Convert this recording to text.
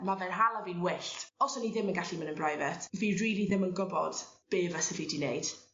...ma' fe'n hala fi'n wyllt. Os o'n i ddim yn gallu mynd yn brifet fi rili ddim yn gwbod be' fysa fi 'di neud.